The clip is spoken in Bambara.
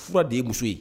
Fura de ye muso ye